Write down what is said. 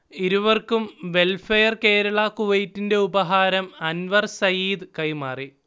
ഇരുവർക്കും വെൽഫെയർ കേരള കുവൈറ്റിന്റെ ഉപഹാരം അൻവർ സയീദ് കൈമാറി